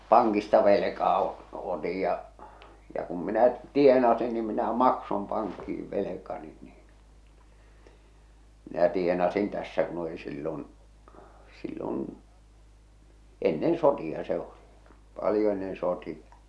pankista velkaa - otin ja ja kun minä tienasin niin minä maksoin pankkiin velkani niin minä tienasin tässä kun oli silloin silloin ennen sotia se oli paljon ennen sotia